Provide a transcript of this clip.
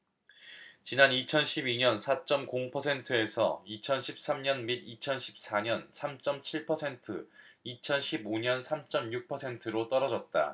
지난 이천 십 이 년 사 쩜 공 퍼센트에서 이천 십 삼 년 및 이천 십 사 년 삼 쩜 칠 퍼센트 이천 십 오 년 삼 쩜 육 퍼센트로 떨어졌다